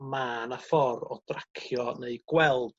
ma' 'na ffor o dracio neu gweld